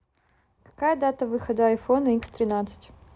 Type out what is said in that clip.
какая дата выхода айфона x тринадцать